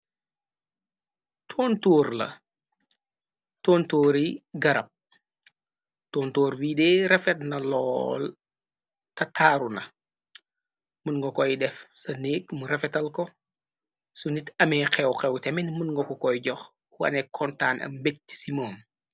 Toontoor la tontoori garab tontoor bidee rafet na lool tataaru na mën ngo koy def sa neeg mu rafetal ko su nit amee xew xew te min mën ngo ko koy jox wane kontaan a mbëkt simoom.